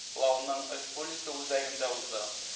Лауның республика үзәгендә узды